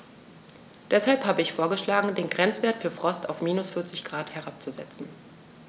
Deshalb habe ich vorgeschlagen, den Grenzwert für Frost auf -40 ºC herabzusetzen.